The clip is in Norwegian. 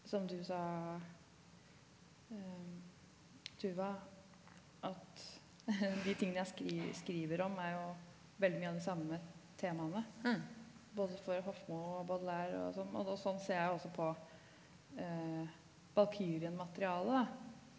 som du sa Tuva at de tingene jeg skriver om er jo veldig mye av de samme temaene både for Hofmo og Boudelaire og altså og og sånn ser jeg jo også på Valkyrien-materialet da.